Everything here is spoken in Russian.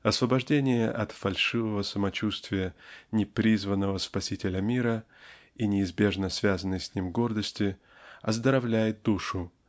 освобождение от фальшивого самочувствия непризванного спасителя мира и неизбежно связанной с ним гордости оздоровляет душу